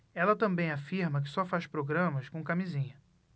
ela também afirma que só faz programas com camisinha